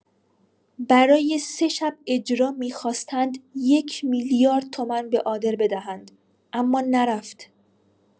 برای سه شب اجرا می‌خواستند یک میلیارد تومن به عادل بدهند اما نرفت!